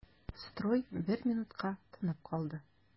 Строй бер минутка тынып калды.